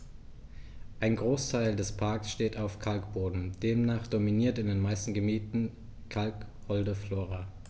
Ein Großteil des Parks steht auf Kalkboden, demnach dominiert in den meisten Gebieten kalkholde Flora.